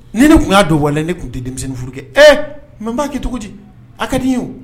Ni ne tun y'a dɔnbɔlen ne tun tɛ denmisɛnnin furu kɛ ɛɛ mɛ b'a kɛ cogo di a ka di ye